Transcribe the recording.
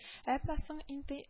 Әмма соң инде